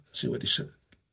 ###sy wedi sy-